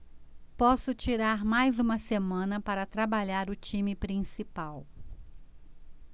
posso tirar mais uma semana para trabalhar o time principal